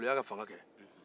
ŋolo y'a fanga kɛ